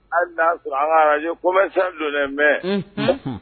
A' ye ko sa don mɛn